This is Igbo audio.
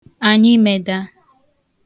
ànyịmeda